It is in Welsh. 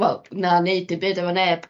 wel na neud dim byd efo neb